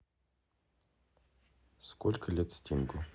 сколько лет стингу